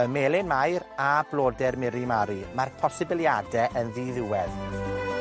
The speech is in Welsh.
Y Melyn Mair, a blode'r Miri Mari, ma'r posibiliade yn ddiddiwedd.